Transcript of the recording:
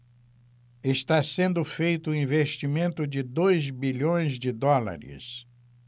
está sendo feito um investimento de dois bilhões de dólares